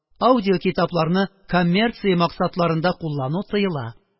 Аудиокитапларны коммерция максатларында куллану тыела